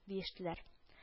— диештеләр